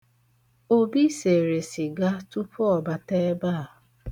Obi sere sịga tupu ọ bata ebe a.